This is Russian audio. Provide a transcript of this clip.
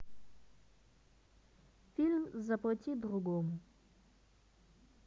фильм заплати другому